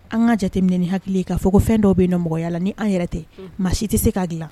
An ka jateminɛ ni hakili k kaa fɔ fɛn dɔw bɛ na mɔgɔya la ni an yɛrɛ tɛ maa si tɛ se k'a dilan